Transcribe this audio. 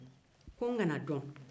ko n' kana dɔn